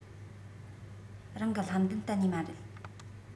རང གི ལྷམ གདན གཏན ནས མ རེད